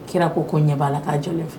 Kira ko ko ɲɛ'a la'a jɔlen fɛ